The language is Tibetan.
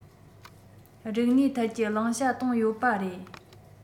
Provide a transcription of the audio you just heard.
རིག གནས ཐད ཀྱི བླང བྱ བཏོན ཡོད པ རེད